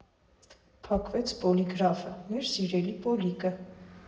Փակվեց Պոլիգրաֆը, մեր սիրելի Պոլիկը։